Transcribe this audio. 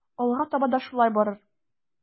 Алга таба да шулай барыр.